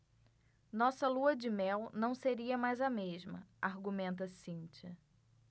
nossa lua-de-mel não seria mais a mesma argumenta cíntia